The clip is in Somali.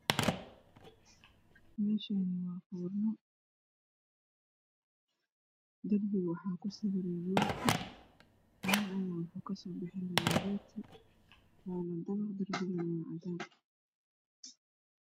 Meeshaani waa foorna ku sawiran rooti nin ayaa kasoo bixniya rooti